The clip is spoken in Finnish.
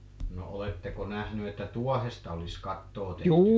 no oletteko nähnyt että tuohesta olisi kattoa tehty